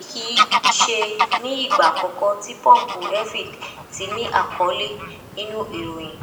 Eyi kiiṣe ni igba akọkọ ti pọmpu Elvie ti ni akọle nínú iroyin.